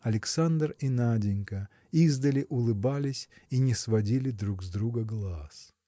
Александр и Наденька издали улыбались и не сводили друг с друга глаз.